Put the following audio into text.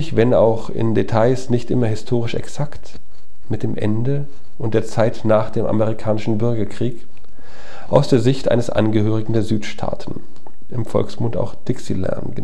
wenn auch in Details nicht immer historisch exakt – mit dem Ende und der Zeit nach dem amerikanischen Bürgerkrieg aus der Sicht eines Angehörigen der Südstaaten (im Volksmund auch Dixieland